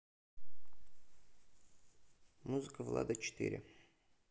музыка влада четыре